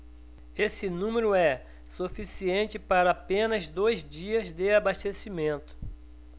esse número é suficiente para apenas dois dias de abastecimento